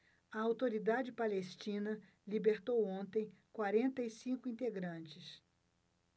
a autoridade palestina libertou ontem quarenta e cinco integrantes